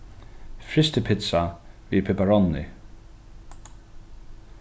frystipitsa við pepperoni